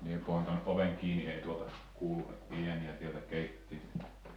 minä panen tuon oven kiinni niin ei tuolta kuulu ääniä täältä keittiöstä